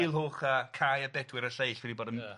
Culhwch a Cai a Bedwyr a'r lleill fi 'di bod yn... Ia.